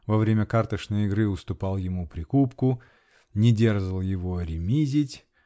во время карточной игры уступал ему прикупку, не дерзал его ремизить